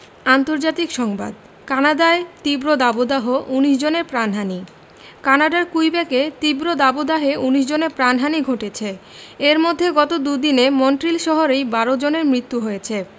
আন্তর্জাতিক সংবাদ কানাডায় তীব্র দাবদাহ ১৯ জনের প্রাণহানি কানাডার কুইবেকে তীব্র দাবদাহে ১৯ জনের প্রাণহানি ঘটেছে এর মধ্যে গত দুদিনে মন্ট্রিল শহরেই ১২ জনের মৃত্যু হয়েছে